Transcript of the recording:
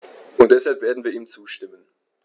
Und deshalb werden wir ihm zustimmen.